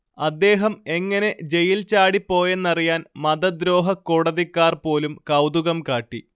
അദ്ദേഹം എങ്ങനെ ജെയിൽ ചാടിപ്പോയെന്നറിയാൻ മതദ്രോഹക്കോടതിക്കാർ പോലും കൗതുകം കാട്ടി